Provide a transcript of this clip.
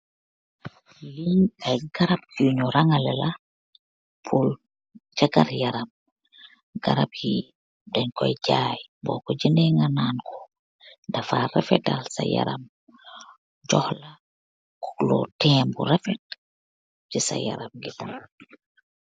gaarap nyewnj nehka di woneh pur jaayyi.